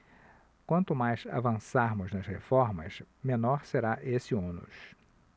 quanto mais avançarmos nas reformas menor será esse ônus